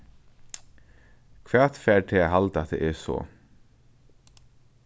hvat fær teg at halda at tað er so